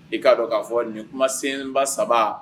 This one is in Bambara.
I k'a dɔn k'a fɔ nin kumasenba saba